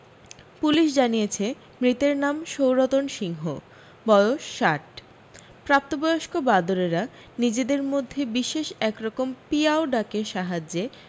police জানিয়েছে মৃতের নাম সৌরতন সিংহ বয়স ষাট প্রাপ্তবয়স্ক বাঁদরেরা নিজেদের মধ্যে বিশেষ এক রকম পিয়াও ডাকের সাহায্যে